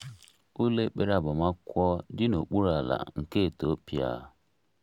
Ụlọ ekpere agbamakwụkwọ dị n'okpuru ala nke Etiopia